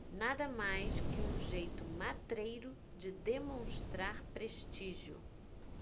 nada mais que um jeito matreiro de demonstrar prestígio